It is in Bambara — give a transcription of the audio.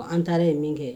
An taara ye min kɛ